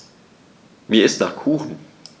Mir ist nach Kuchen.